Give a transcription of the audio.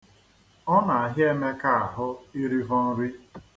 Ọ na-ahịa Emeka ahụ irifọ nri.